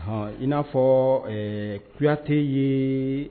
Ɔnhɔn, i n'a fɔ ɛɛ kuyate ye